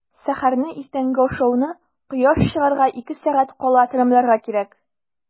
Сәхәрне – иртәнге ашауны кояш чыгарга ике сәгать кала тәмамларга кирәк.